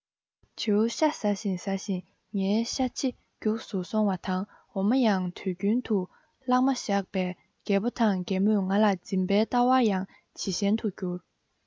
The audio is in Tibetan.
བྱིའུ ཤ ཟ བཞིན ཟ བཞིན ངའི ཤ ཇེ རྒྱགས སུ སོང བ དང འོ མ ཡང དུས རྒྱུན དུ ལྷག མ བཞག པས རྒད པོ དང རྒན མོས ང ལ འཛིན པའི ལྟ བ ཡང ཇེ ཞན དུ གྱུར